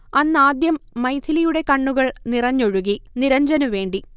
അന്നാദ്യം മൈഥിലിയുടെ കണ്ണുകൾ നിറഞ്ഞൊഴുകി നിരഞ്ജനു വേണ്ടി